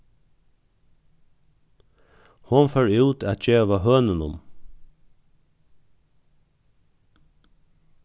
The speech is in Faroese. hon fór út at geva hønunum